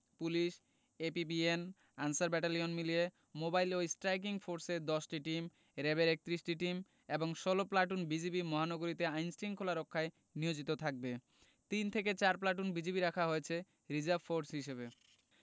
police APBN Ansar battalion মিলিয়ে mobile ও striking ফোর্সের ১০টি টিম র ্যাবের ৩১টি টিম এবং ১৬ প্লাটুন বিজিবি মহানগরীতে আইন শৃঙ্খলা রক্ষায় নিয়োজিত থাকবে তিন থেকে চার প্লাটুন বিজিবি রাখা হয়েছে রিজার্ভ ফোর্স হিসেবে